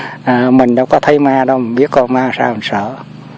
à mình đâu có thấy ma đâu mà biết con ma sao mà sợ